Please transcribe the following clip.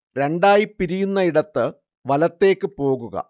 രണ്ടായി പിരിയുന്നയിടത്ത് വലത്തേക്ക് പോകുക